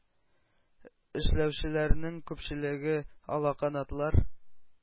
Эшләүчеләрнең күпчелеге - алаканатлар.